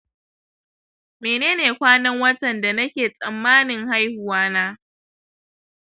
menene kwanan watan da nake tsammanin haihuwa na